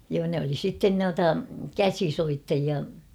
joo ne oli sitten noita käsisoittajia